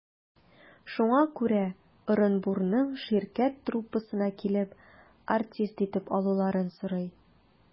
Шуңа күрә Ырынбурның «Ширкәт» труппасына килеп, артист итеп алуларын сорый.